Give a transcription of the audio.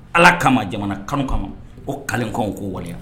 Ala kama jamana kanu kama o kakan ko waleya